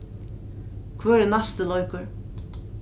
hvør er næsti leikur